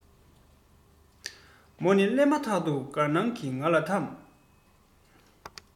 མོ ནི སླེབ མ ཐག ཏུ དགའ སྣང གི ང ལ ཐམས